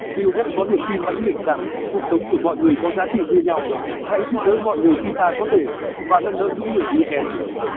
bill gates có niềm tin mãnh liệt rằng cuộc sống của mọi người có giá trị như nhau hãy giúp đỡ mọi người khi ta có thể và nâng đỡ những người yếu kém